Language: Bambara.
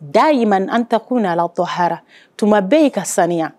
Dahi an takun na tɔ hara tuma bɛɛ y'i ka saniya